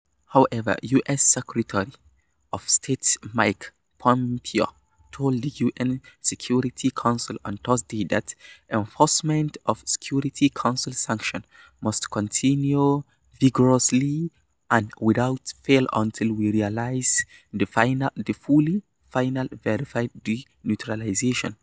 However, U.S. Secretary of State Mike Pompeo told the U.N. Security Council on Thursday that: "Enforcement of Security Council sanctions must continue vigorously and without fail until we realize the fully, final, verified denuclearization."